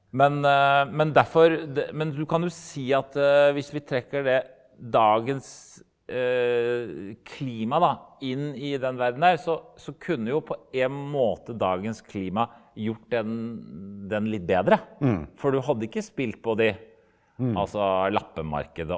men men derfor men du kan jo si at hvis vi trekker det dagens klima da inn i den verdenen der så så kunne jo på en måte dagens klima gjort den den litt bedre for du hadde ikke spilt på de altså lappemarkedet.